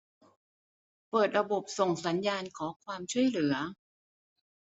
เปิดระบบส่งสัญญาณขอความช่วยเหลือ